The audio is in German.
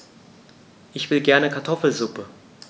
Ich will gerne Kartoffelsuppe.